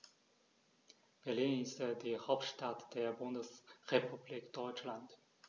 Berlin ist die Hauptstadt der Bundesrepublik Deutschland.